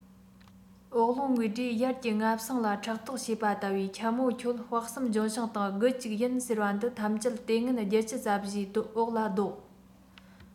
འོག རླུང གི སྒྲས དབྱར གྱི རྔ བསངས ལ ཕྲག དོག བྱེད པ ལྟ བུའི འཁྱམས མོ ཁྱོད དཔག བསམ ལྗོན ཤིང དང རྒྱུད གཅིག ཡིན ཟེར བ འདི ཐམས ཅད ལྟས ངན བརྒྱད ཅུ རྩ བཞིའི འོག ལ བཟློག